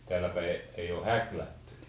täällä päin ei ole häklätty